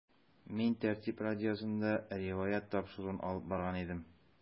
“мин “тәртип” радиосында “риваять” тапшыруын алып барган идем.